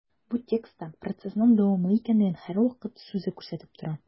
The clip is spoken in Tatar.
Бу текстта процессның дәвамлы икәнлеген «һәрвакыт» сүзе күрсәтеп тора.